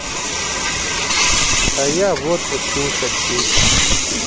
а я в отпуск не хочу